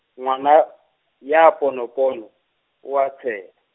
ngwana ya ponopono, o a tsheha.